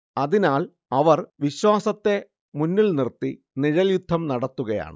അതിനാൽ അവർ വിശ്വാസത്തെ മുന്നിൽ നിർത്തി നിഴൽ യുദ്ധം നടത്തുകയാണ്